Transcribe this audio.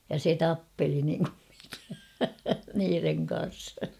ja se tappeli niin kuin mikä niiden kanssa